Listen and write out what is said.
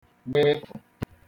gbefụ̀